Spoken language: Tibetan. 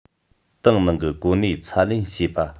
ཏང ནང གི གོ གནས ཚ ལེན བྱེད པ